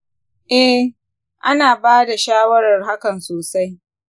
eh, ana ba da shawarar hakan sosai.